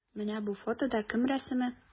Менә бу фотода кем рәсеме?